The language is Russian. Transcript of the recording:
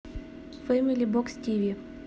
фэмили бокс тиви